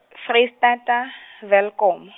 Foreistata , Welkom.